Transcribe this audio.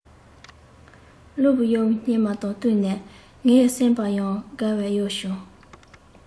རླུང བུས གཡོ བའི སྙེ མ དང བསྟུན ནས ངའི སེམས པ ཡང དགའ བས གཡོས བྱུང